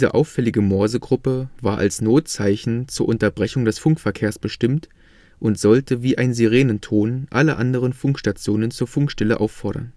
auffällige Morsegruppe war als Notzeichen zur Unterbrechung des Funkverkehrs bestimmt und sollte wie ein Sirenenton alle anderen Funkstationen zur Funkstille auffordern